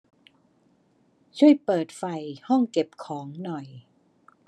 ช่วยเปิดไฟห้องเก็บของหน่อย